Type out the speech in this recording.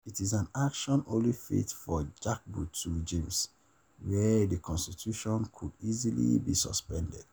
It is an action only fit for jackboot regimes, where the constitution could easily be suspended...